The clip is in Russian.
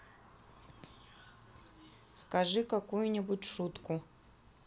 скажи какую нибудь шутку